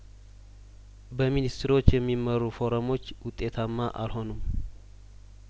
በሚኒስትሮች የሚመሩ ፎረሞች ውጤታማ አልሆኑም